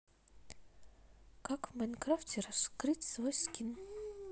как в майнкрафте раскрасить свой скин